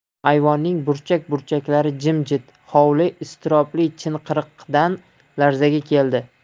ayvonning burchak burchaklari jimjit hovli iztirobli chinqiriqdan larzaga keldi